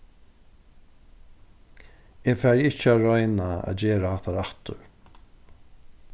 eg fari ikki at royna at gera hattar aftur